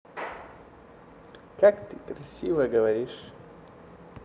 как ты красиво говоришь